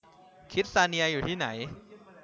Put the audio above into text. คิดส์ซาเนียอยู่ที่ไหน